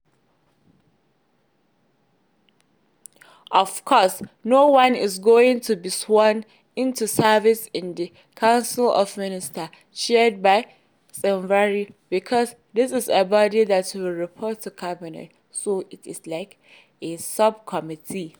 Of course, no one is going to be sworn in to serve in the Council of Ministers (Chaired by Tsvangirai), because this is a body that will report to cabinet, so it is like a sub-committee.